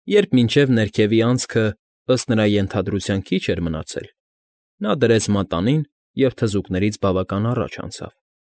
Երբ մինչև ներքևի անցքը, ըստ նրա ենթադրության, քիչ էր մնացել, նա դրեց մատանին և թզուկներից բավական առաջ անցավ։